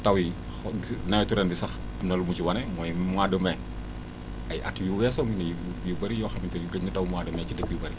taw yi xo gis nga nawetu ren bi sax am na lu mu ci wane mooy mois de mai ay at yu weesoog nii yu bëréi yoo xamante ni gëj na taw mois de mai ci dëkk yu bëri